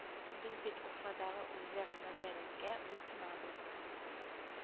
Без бит Уфадагы Үзәк нәзарәткә буйсынабыз